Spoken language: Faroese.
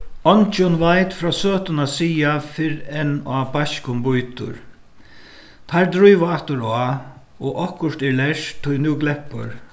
eingin veit frá søtum at siga fyrr enn á beiskum bítur teir dríva aftur á og okkurt er lært tí nú gleppur